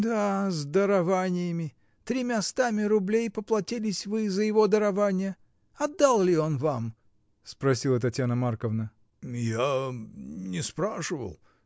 — Да, с дарованиями: тремястами рублей поплатились вы за его дарования! Отдал ли он вам? — спросила Татьяна Марковна. — Я. не спрашивал!